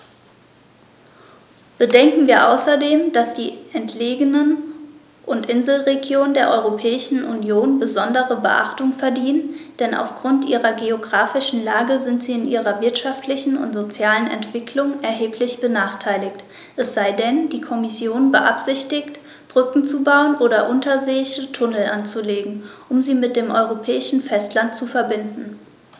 Bedenken wir außerdem, dass die entlegenen und Inselregionen der Europäischen Union besondere Beachtung verdienen, denn auf Grund ihrer geographischen Lage sind sie in ihrer wirtschaftlichen und sozialen Entwicklung erheblich benachteiligt - es sei denn, die Kommission beabsichtigt, Brücken zu bauen oder unterseeische Tunnel anzulegen, um sie mit dem europäischen Festland zu verbinden.